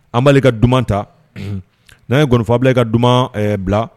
An b ale ka duman ta, unhun, n'a ye nkɔnifɔ Abudulaye ka duman ɛɛ bila